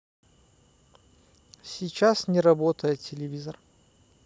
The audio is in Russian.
сейчас не работает телевизор